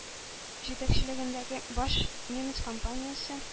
Җитәкчелегендәге бош немец компаниясе